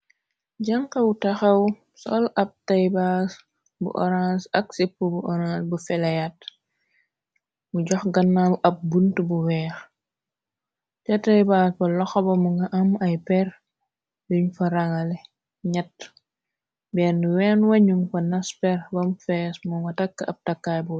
janxaw taxaw sol ab taybas bu orange ak sip bu horanl bu feleat mu jox gannab ab bunt bu weex ca taybas ba loxaba mu nga am ay per yuñ fa rangale ñet benn ween wañu fa nas per bam fees moo nga tàkk ab takkaay bu